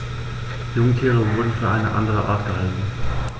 Jungtiere wurden für eine andere Art gehalten.